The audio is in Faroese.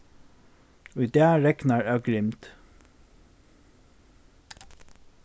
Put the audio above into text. í dag regnar av grimd